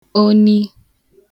oni